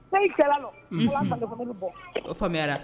O faamuya